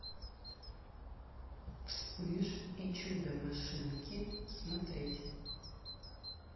вспыш и чудо машинки смотреть